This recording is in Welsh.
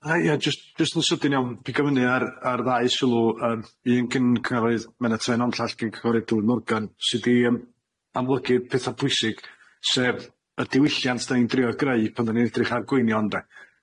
A ia jyst jyst yn sydyn iawn pigo fyny ar ar ddau sylw, yym un gan cyhoedd Mena Trenholm a llall gin cynghorydd Dwyn Morgan sy 'di yym amlygu petha pwysig sef, y diwylliant da ni'n drio greu pan 'dan ni'n edrych ar gwynion 'de.